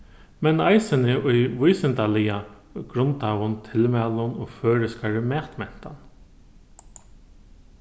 men eisini í vísindaliga grundaðum tilmælum og føroyskari matmentan